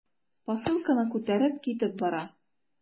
Посылканы күтәреп китеп бара.